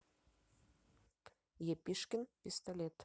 епишкин пистолет